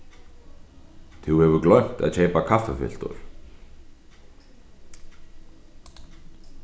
tú hevur gloymt at keypa kaffifiltur